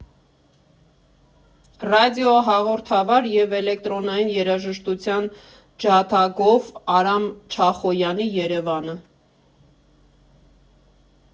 Ռադիոհաղորդավար և էլեկտրոնային երաժշտության ջատագով Արամ Չախոյանի Երևանը։